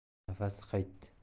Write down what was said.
nafasi qaytdi